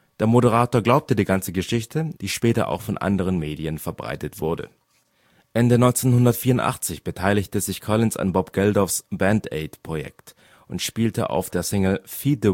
Der Moderator glaubte die ganze Geschichte, die später auch von anderen Medien verbreitet wurde. Der Rock-Gitarrist Eric Clapton (2005), für den Collins zwei Alben produzierte Ende 1984 beteiligte sich Collins an Bob Geldofs Band-Aid-Projekt und spielte auf der Single Feed